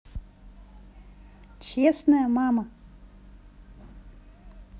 честная мама